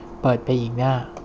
เปิดไปอีกหน้า